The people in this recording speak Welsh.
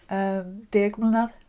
Yym deg mlynedd.